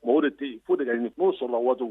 Mɔgɔ de tɛ yen fo de ka nin kuma sɔrɔla wa